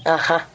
anhah